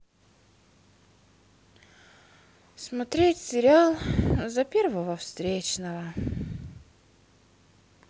смотреть сериал за первого встречного